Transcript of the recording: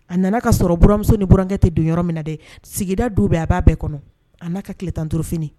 A nana ka sɔrɔ buranmuso ni burankɛ tɛ don yɔrɔ min na dɛ sigida du bɛɛ a b'a bɛɛ kɔnɔ a n'a ka tile 15 fini